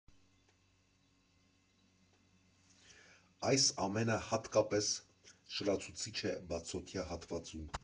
Այս ամենը հակտապես շլացուցիչ է բացօթյա հատվածում։